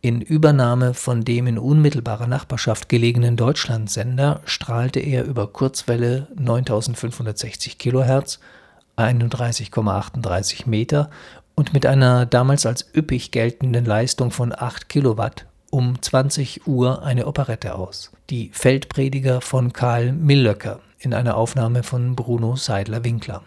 In Übernahme von dem in unmittelbarer Nachbarschaft gelegenen Deutschlandsender strahlte er über Kurzwelle 9560 kHz (31,38 m) und mit einer damals als üppig geltenden Leistung von 8 kW um 20.00 Uhr eine Operette aus: Die Feldprediger von Carl Millöcker, in einer Aufnahme von Bruno Seidler-Winkler